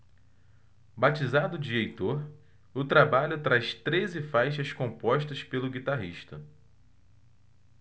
batizado de heitor o trabalho traz treze faixas compostas pelo guitarrista